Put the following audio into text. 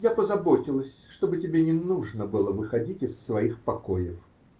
Я позаботилась, чтобы тебе не нужно было выходить из своих покоев.